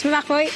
Tyme bach mwy.